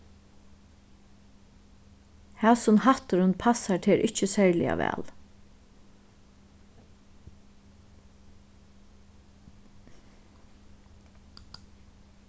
hasin hatturin passar tær ikki serliga væl